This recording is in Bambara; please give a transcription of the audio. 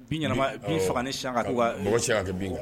Ɲɛna faga ni si ka mɔgɔ si ka bi wa